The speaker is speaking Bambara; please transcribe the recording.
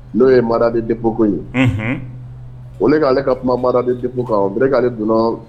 N'o ye maradaden depko ye o kale ale ka kuma maradaden debu kan o k'ale dun